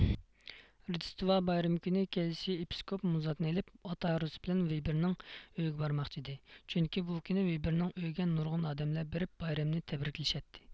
روژدوستىۋا بايرىمى كۈنى كەيزىشى ئىپىسكوپ مۇزاتنى ئېلىپ ئات ھارۋىسى بىلەن ۋىيبىرنىڭ ئۆيىگە بارماقچى ئىدى چۈنكى بۇ كۈنى ۋىيبىرنىڭ ئۆيىگە نۇرغۇن ئادەملەر بېرىپ بايرامنى تەبرىكلىشەتتى